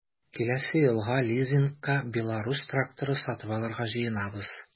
Киләсе елга лизингка “Беларусь” тракторы сатып алырга җыенабыз.